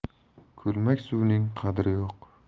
ko'lmak suvning qadri yo'q